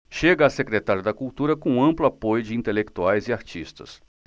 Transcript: chega a secretário da cultura com amplo apoio de intelectuais e artistas